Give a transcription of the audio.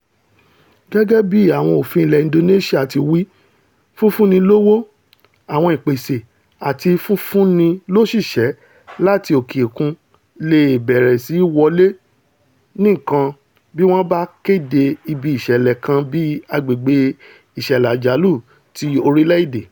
Gẹ́gẹ́ bí àwọn òfin ilẹ̀ Indonesia ti wí, fífúnnilówó, àwọn ìpèsè àti fífúnnilóṣìṣẹ́ láti òkè-òkun leè bẹ̀rẹ̀ sí wọlé nìkan bí wọ́n bá kéde ibi ìṣẹ̀lẹ̀ kan bíi agbègbè̀̀ ìṣẹ̀lẹ̀ àjálù ti orílẹ̀-èdè.